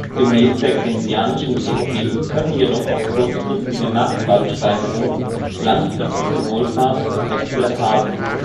Gemäß der keynesianischen Theorie können jedoch auch kurzfristige Nachfragesteigerungen langfristige Wohlfahrtseffekte haben